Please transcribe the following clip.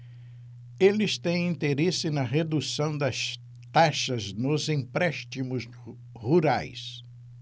eles têm interesse na redução das taxas nos empréstimos rurais